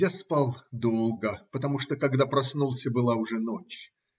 Я спал долго, потому что, когда проснулся, была уже ночь.